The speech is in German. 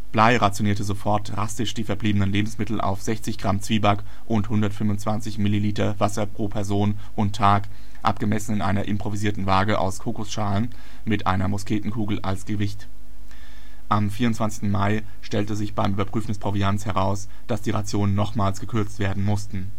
Bligh rationierte sofort drastisch die verbliebenen Lebensmittel auf 60 g Zwieback und 125 ml Wasser pro Person und Tag, abgemessen in einer improvisierten Waage aus Kokosschalen, mit einer Musketenkugel als Gewicht. Am 24. Mai stellte sich beim Überprüfen des Proviants heraus, dass die Rationen nochmals gekürzt werden mussten